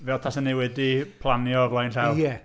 Fel tasen ni wedi planio o flaen llaw... ie.